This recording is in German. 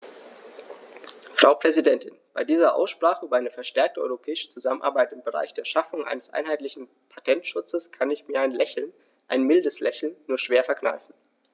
Frau Präsidentin, bei dieser Aussprache über eine verstärkte europäische Zusammenarbeit im Bereich der Schaffung eines einheitlichen Patentschutzes kann ich mir ein Lächeln - ein mildes Lächeln - nur schwer verkneifen.